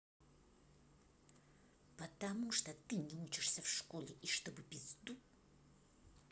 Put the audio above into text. потому что ты не учишься в школе и чтобы пизду